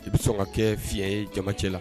I bɛ sɔn ka kɛ fiɲɛ ye jamacɛ la